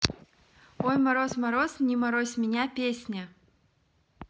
ой мороз мороз не морозь меня песня